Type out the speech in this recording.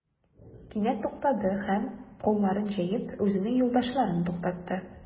Кинәт туктады һәм, кулларын җәеп, үзенең юлдашларын туктатты.